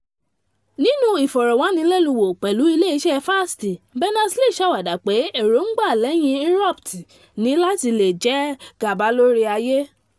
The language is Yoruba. Nínú ìfọ̀rọ̀wánilẹ́nuwò pẹ́lú ilé iṣẹ́ Fast, Berners-Lee ṣàwàdà pé èròńgbà lẹ́yìn Inrupt ni láti le “jẹ gàba lórí ayé.”